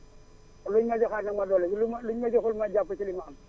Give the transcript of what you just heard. lu ñu ma joxaat nag ma dolli si lu ñu ma joxul ma jàpp ci li ma am